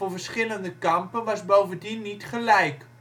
verschillende kampen was bovendien niet gelijk